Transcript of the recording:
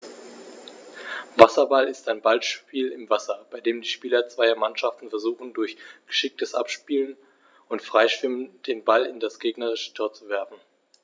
Wasserball ist ein Ballspiel im Wasser, bei dem die Spieler zweier Mannschaften versuchen, durch geschicktes Abspielen und Freischwimmen den Ball in das gegnerische Tor zu werfen.